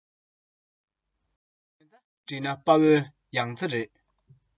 དོན རྩ བསྒྲིལ ན དཔལ བོའི ཡང རྩེ རེད